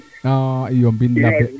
a iyo mbind labe